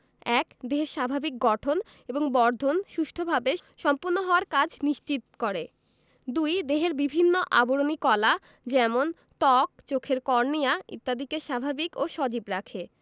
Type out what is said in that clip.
১. দেহের স্বাভাবিক গঠন এবং বর্ধন সুষ্ঠুভাবে সম্পন্ন হওয়ার কাজ নিশ্চিত করে ২. দেহের বিভিন্ন আবরণী কলা যেমন ত্বক চোখের কর্নিয়া ইত্যাদিকে স্বাভাবিক ও সজীব রাখে